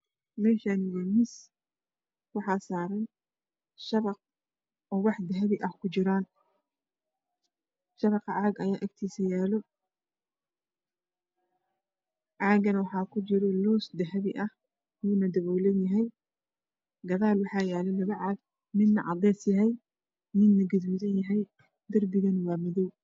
Meeshaan waa miis waxaa saaran shabaq oo wax dahabi ah ku jiraan. Shabaqa caag ayaa agtiisa yaalo. Caagana waxaa ku jira loos dahabi ah wuuna daboolan yahay gadaal waxa yaala labo caag midna cadays yahay midna gaduudan yahay darbigana waa madow.